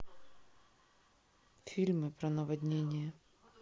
фильмы про наводнения